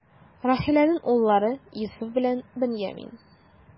Рахиләнең уллары: Йосыф белән Беньямин.